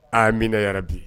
Aminayara bi